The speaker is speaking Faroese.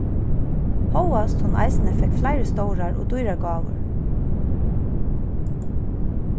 hóast hon eisini fekk fleiri stórar og dýrar gávur